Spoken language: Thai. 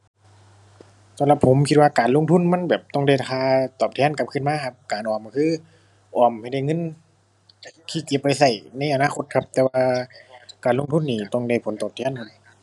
สำหรับผมคิดว่าการลงทุนมันแบบต้องได้ค่าตอบแทนกลับคืนมาครับ การออมก็คือออมให้ได้เงินที่เก็บไว้ก็ในอนาคตครับ แต่ว่าการลงทุนนี่ต้องได้ผลตอบแทนครับ